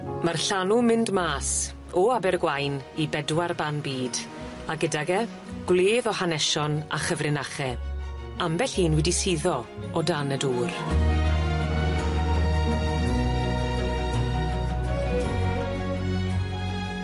Ma'r llanw'n mynd mas o Abergwaun i bedwar ban byd, a gydag e gwledd o hanesion a chyfrinache. Ambell un wedi suddo o dan y dŵr.